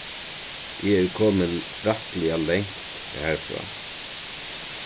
eg eri komin rættiliga langt harfrá